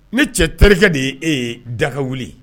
Ne cɛ terikɛ de ye e ye dagawu